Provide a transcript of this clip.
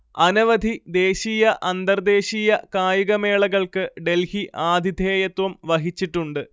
അനവധി ദേശീയ അന്തർദേശീയ കായികമേളകൾക്ക് ഡെൽഹി ആതിഥേയത്വം വഹിച്ചിട്ടുണ്ട്